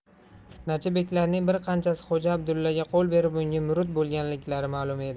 fitnachi beklarning bir qanchasi xo'ja abdullaga qo'l berib unga murid bo'lganliklari malum edi